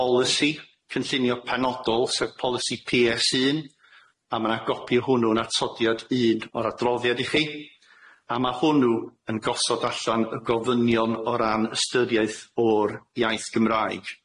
bolisi cynllunio penodol sef polisi Pee Ess Un a ma' na gopi o hwnnw'n atodiad un o'r adroddiad i chi, a ma' hwnnw yn gosod allan y gofynion o ran ystyriaeth o'r iaith Gymraeg.